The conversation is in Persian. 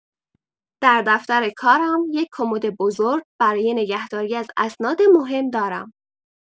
در دفتر کارم یک کمد بزرگ برای نگهداری از اسناد مهم دارم.